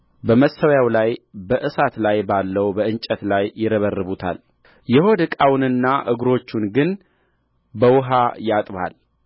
በመሠዊያው ላይ በእሳቱ ላይ ባለው በእንጨቱ ላይ ይረበርቡታልየሆድ ዕቃውንና እግሮቹን ግን በውኃ ያጥባል